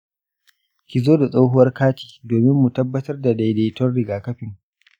ki zo da tsohuwar kati domin mu tabbatar da daidaiton rigakafin.